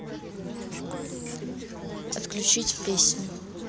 отключить песню